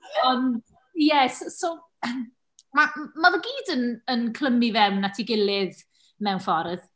Ond, ie, so so mae fe gyd yn yn clymu fewn at ei gilydd mewn ffordd.